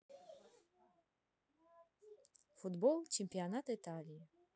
футбол чемпионат италии